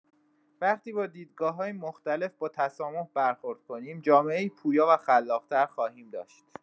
وقتی با دیدگاه‌های مختلف با تسامح برخورد کنیم، جامعه‌ای پویا و خلاق‌تر خواهیم داشت.